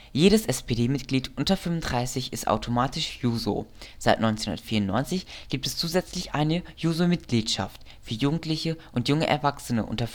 Jedes SPD-Mitglied unter 35 ist automatisch Juso. Seit 1994 gibt es zusätzlich eine " Juso-Mitgliedschaft " für Jugendliche und junge Erwachsene unter